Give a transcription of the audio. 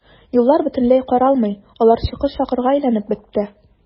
Юллар бөтенләй каралмый, алар чокыр-чакырга әйләнеп бетте.